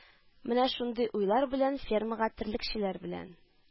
Менә шундый уйлар белән фермага, терлекчеләр белән